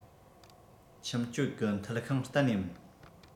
ཁྱིམ སྤྱོད གི མཐིལ ཤིང གཏན ནས མིན